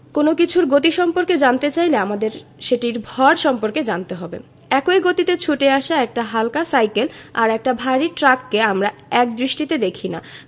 কোনো কিছুর গতি সম্পর্কে জানতে চাইলে আমাদের সেটির ভর সম্পর্কে জানতে হয় একই গতিতে ছুটে আসা একটা হালকা সাইকেল আর একটা ভারী ট্রাককে আমরা একদৃষ্টিতে দেখি না